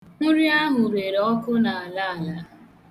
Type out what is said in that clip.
Nri ahụ rere ọkụ n'alaala.